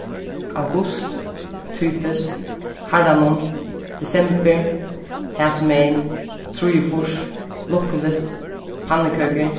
august typiskt harranum desembur hasumegin trýogfýrs lukkuligt pannukøkur